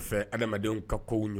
Fɛ adamadenw ka kow